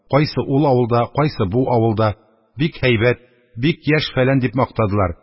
Кайсы ул авылда, кайсы бу авылда; бик һәйбәт, бик яшьфәлән дип мактадылар